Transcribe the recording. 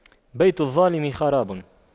بيت الظالم خراب